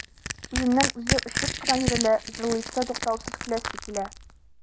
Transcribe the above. Үзеннән-үзе очып кына йөрелә, җырлыйсы, туктаусыз көләсе килә.